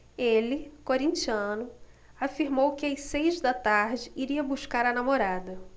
ele corintiano afirmou que às seis da tarde iria buscar a namorada